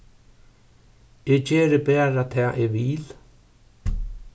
eg geri bara tað eg vil